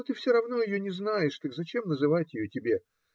- Ты все равно ее не знаешь, так зачем называть ее тебе?